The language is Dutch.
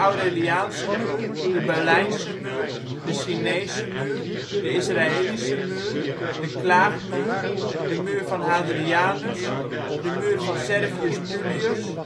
Aureliaanse Muur Berlijnse Muur Chinese Muur Israëlische muur Klaagmuur Muur van Hadrianus Muur van Servius Tullius